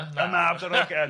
Y mab Darogan.